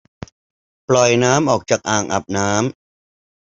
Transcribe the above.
ปล่อยน้ำออกจากอ่างอาบน้ำ